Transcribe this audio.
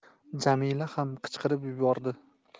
jamila ham qichqirib yubordi